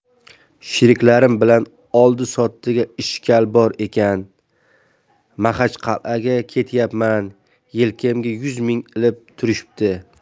sheriklarim bilan oldi sottida ishkal bor ekan maxachqal'aga ketyapman yelkamga yuz ming ilib turishibdi